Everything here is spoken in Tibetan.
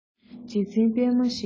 ཆུ འཛིན པད མ བཞད བཞད